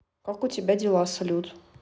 как у тебя дела салют